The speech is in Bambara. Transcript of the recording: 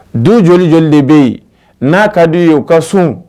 Don joli joli de bɛ yen n'a ka du i ye u ka sun